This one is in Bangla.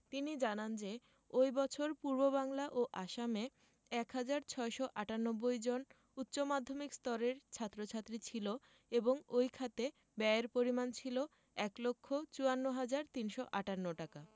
তিনি জানান যে ওই বছর পূর্ববাংলা ও আসামে ১ হাজার ৬৯৮ জন উচ্চ মাধ্যমিক স্তরের ছাত্র ছাত্রী ছিল এবং ওই খাতে ব্যয়ের পরিমাণ ছিল ১ লক্ষ ৫৪ হাজার ৩৫৮ টাকা